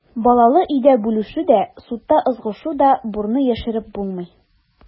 Балалы өйдә бүлешү дә, судта ызгышу да, бурны яшереп булмый.